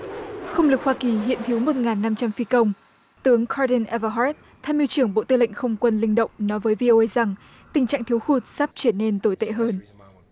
không lực hoa kỳ hiện thiếu một ngàn năm trăm phi công tướng kha đân e vờ hát tham mưu trưởng bộ tư lệnh không quân linh động nói với vi âu ây rằng tình trạng thiếu hụt sắp trở nên tồi tệ hơn